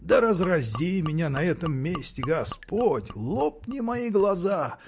– Да разрази меня на этом месте господь, лопни мои глаза!